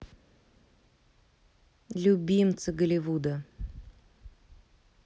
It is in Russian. любимцы голливуда